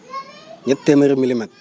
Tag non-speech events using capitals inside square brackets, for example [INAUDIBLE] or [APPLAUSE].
[CROSSTALK] ñetti téeméeri milimètres